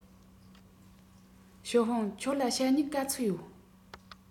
ཞའོ ཧུང ཁྱོད ལ ཞྭ སྨྱུག ག ཚོད ཡོད